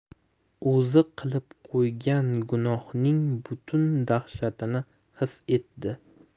o'zi qilib qo'ygan gunohning butun dahshatini his etdi